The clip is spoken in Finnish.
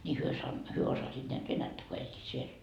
niin he - he osasivat näet venäjää kun elivät siellä